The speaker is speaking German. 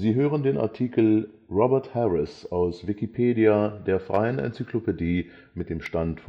hören den Artikel Robert Harris, aus Wikipedia, der freien Enzyklopädie. Mit dem Stand